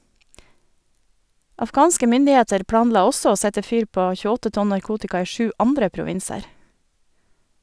Afghanske myndigheter planla også å sette fyr på 28 tonn narkotika i sju andre provinser.